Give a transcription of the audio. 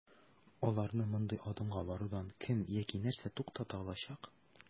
Аларны мондый адымга барудан кем яки нәрсә туктата алачак?